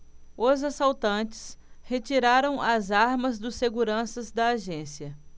os assaltantes retiraram as armas dos seguranças da agência